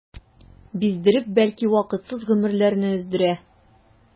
Биздереп, бәлки вакытсыз гомерләрне өздерә.